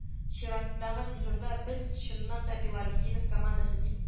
Чираттагы сезонда без чыннан да билалетдинов командасы дип